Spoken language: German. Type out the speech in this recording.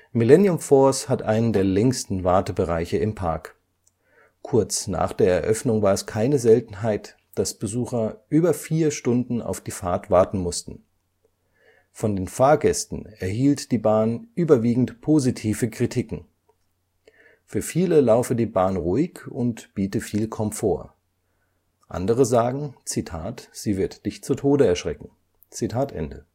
Millennium Force hat einen der längsten Wartebereiche im Park. Kurz nach der Eröffnung war es keine Seltenheit, dass Besucher über vier Stunden auf die Fahrt warten mussten. Von den Fahrgästen erhielt die Bahn überwiegend positive Kritiken. Für viele laufe die Bahn ruhig und biete viel Komfort. Andere sagen: „ Sie wird dich zu Tode erschrecken “. In